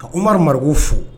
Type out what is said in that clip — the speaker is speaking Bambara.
A ko maru mariri ko fo